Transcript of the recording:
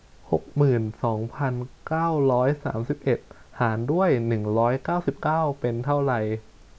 หกหมื่นสองพันเก้าสามสิบเอ็ดหารด้วยหนึ่งร้อยเก้าสิบเก้าเป็นเท่าไร